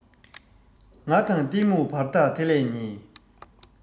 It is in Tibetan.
ང དང གཏི མུག བར ཐག དེ ལས ཉེ